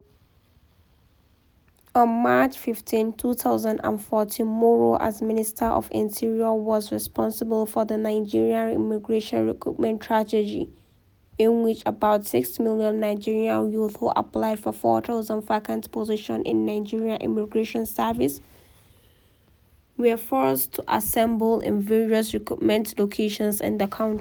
On March 15, 2014, Moro, as minister of interior, was responsible for the Nigerian Immigration Recruitment tragedy in which about 6 million Nigerian youths who applied for 4,000 vacant positions in Nigerian Immigration Service were forced to assemble in various recruitment locations in the country.